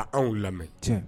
K anw lamɛn